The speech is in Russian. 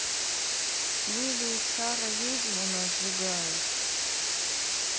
лилии сара ведьм у нас сжигают